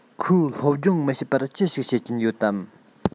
ཁོས སློབ སྦྱོང མི བྱེད པར ཅི ཞིག བྱེད ཀྱིན ཡོད དམ